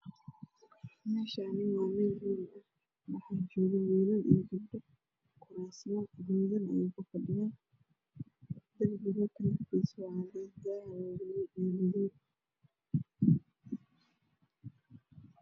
Meshani waa meel. holah waxaa jogo wiil iyo gabdho kurasayo gaduudan ey ku fadhiyaan darbigu kalar kiiso waa cadaan dahu wa madow iyo gaduud